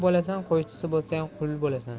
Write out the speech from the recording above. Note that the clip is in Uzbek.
bo'lasan qo'ychisi bo'lsang qui bo'lasan